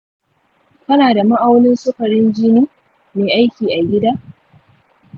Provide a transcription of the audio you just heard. kana da ma'aunin sukarin jini mai aiki a gida?